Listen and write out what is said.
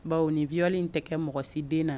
Bawo ni viole in te kɛ mɔgɔsi den na